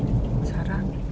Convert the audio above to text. Taran.